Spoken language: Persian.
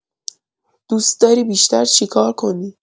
دوست‌داری بیشتر چیکار کنی؟